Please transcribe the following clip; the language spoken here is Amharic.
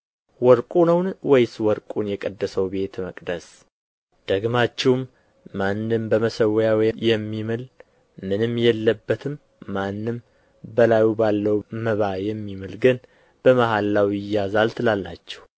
ወርቁ ነውን ወይስ ወርቁን የቀደሰው ቤተ መቅደስ ደግማችሁም ማንም በመሠዊያው የሚምል ምንም የለበትም ማንም በላዩ ባለው መባ የሚምል ግን በመሐላው ይያዛል ትላላችሁ